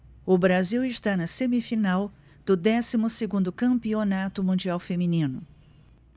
o brasil está na semifinal do décimo segundo campeonato mundial feminino